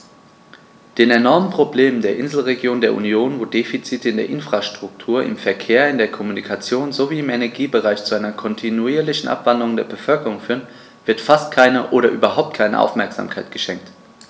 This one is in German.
Den enormen Problemen der Inselregionen der Union, wo die Defizite in der Infrastruktur, im Verkehr, in der Kommunikation sowie im Energiebereich zu einer kontinuierlichen Abwanderung der Bevölkerung führen, wird fast keine oder überhaupt keine Aufmerksamkeit geschenkt.